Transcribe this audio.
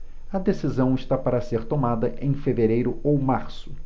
a decisão está para ser tomada em fevereiro ou março